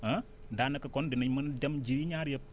daanaka kon dinañ mën dem ji wi ñaar yëpp